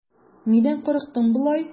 Нидән курыктың болай?